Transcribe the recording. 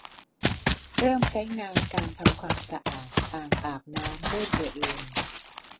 เริ่มใช้งานการทำความสะอาดอ่างอาบน้ำด้วยตัวเอง